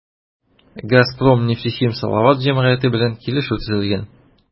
“газпром нефтехим салават” җәмгыяте белән килешү төзелгән.